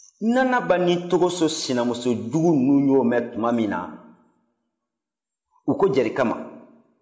nanaba ni togoso sinamuso juguw ye o mɛn tuma min na u ko jerika ma